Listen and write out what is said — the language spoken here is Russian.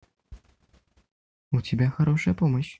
у тебя хорошая помощь